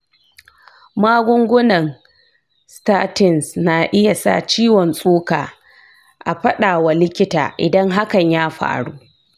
magungunan statins na iya sa ciwon tsoka, a faɗa wa likita idan hakan ya faru.